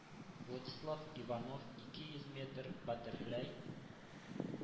Владислав Иванов ике йөз метр, баттерфляй